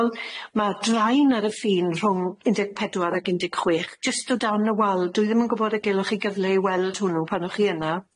Ma draen ar y ffin rhwng un deg pedwar ag un deg chwech, jyst o dan y wal, dwi ddim yn gwbod y gelwch chi gyfle i weld hwnnw pan o'ch chi yna.